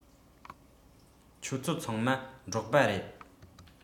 ཁྱོད ཚོ ཚང མ འབྲོག པ རེད